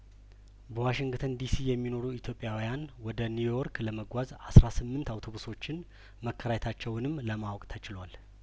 በዋሽንግተን ዲሲ የሚኖሩ ኢትዮጵያውያን ወደ ኒውዮርክ ለመጓዝ አስራ ስምንት አውቶቡሶችን መከራየታቸውንም ለማወቅ ተችሏል